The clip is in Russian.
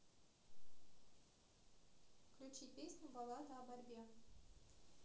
включи песню баллада о борьбе